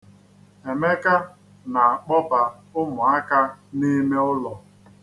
Emeka na-akpọba ụmụaka n'ime ụlọ.